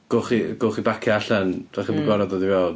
Gewch chi gewch chi bacio allan, dach chi'm... mm. ...yn gorfod dod i mewn.